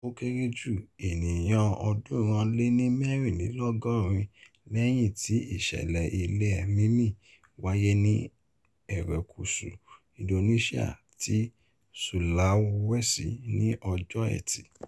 O kere ju eniyan 384 lẹhin ti ìṣẹlẹ ilẹ mimi waye ni erekuṣu Indonesia ti Sulawesi ni Ọjọ Ẹtì.